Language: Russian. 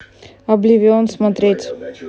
обливион смотреть